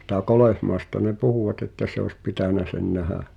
sitä Kolehmaista ne puhuvat että se olisi pitänyt sen nähdä